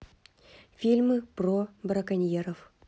фильмы про браконьеров